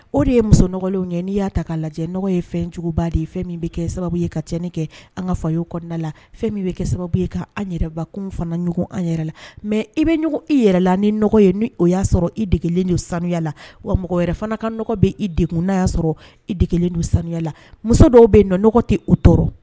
O de ye muso nɔgɔw ye n'i y'a ta'a lajɛ n ye fɛnjuguba de ye fɛn min bɛ kɛ sababu ye ka cɛnni kɛ an ka fa o kɔnɔna la fɛn min bɛ kɛ sababu ye ka an yɛrɛba kun fana ɲɔgɔn an yɛrɛ la mɛ i bɛ ɲɔgɔn i yɛrɛ la ni nɔgɔya ye ni o y'a sɔrɔ i dege don samiya la wa mɔgɔ wɛrɛ fana kaɔgɔ bɛ i dege n'a y'a sɔrɔ ide don samiyala muso dɔw bɛ nɔɔgɔ tɛ o tɔɔrɔ